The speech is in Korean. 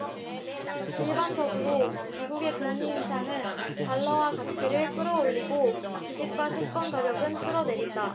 일반적으로 미국의 금리 인상은 달러화 가치를 끌어올리고 주식과 채권 가격은 끌어내린다